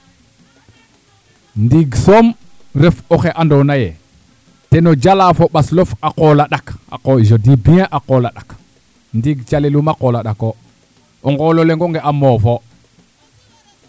ndiig soom ref oxe andoona yee ten o jala fo ɓaslof a qool a ɗak je dis bien a qool a ɗak ndiig calelum a qool a ɗaqoo o nqool o lengo le a moofo